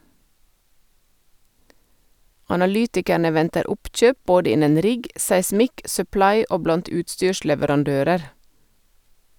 Analytikerne venter oppkjøp både innen rigg, seismikk, supply og blant utstyrsleverandører.